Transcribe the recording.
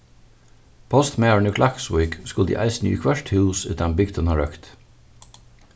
postmaðurin úr klaksvík skuldi eisini í hvørt hús í teimum bygdum hann røkti